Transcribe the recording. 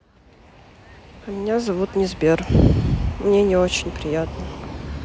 а меня зовут не сбер мне не очень приятно